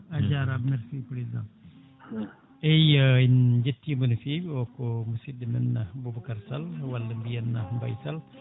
a jarama merci président eyyi en jettimo no fewi o ko musidɗo men Boubacar Sall walla mbiyen Mbaye Sall